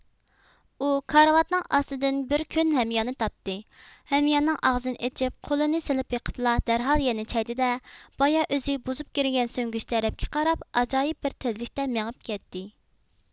ئۇ كارىۋاتنىڭ ئاستىدىن بىر كۆن ھەمياننى تاپتى ھەمياننىڭ ئاغزىنى ئېچىپ قولىنى سېلىپ بېقىپلا دەرھال يەنە چەگدى دە بايا ئۆزى بۇزۇپ كىرگەن سۈڭگۈچ تەرەپكە قاراپ ئاجايىپ بىر تېزلىكتە مېڭىپ كەتتى